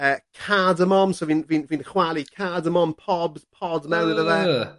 Yy cardamom so fi'n fi'n fi'n chwalu cardamom pob pod... Yrgh ...mewn iddo fe.